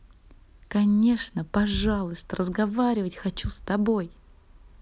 конечно пожалуйста разговаривать хочу с тобой